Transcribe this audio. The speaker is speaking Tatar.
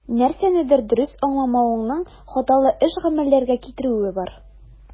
Нәрсәнедер дөрес аңламавыңның хаталы эш-гамәлләргә китерүе бар.